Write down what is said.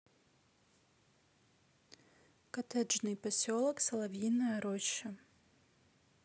коттеджный поселок соловьиная роща